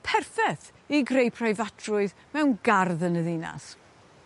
perffeth i greu preifatrwydd mewn gardd yn y ddinas.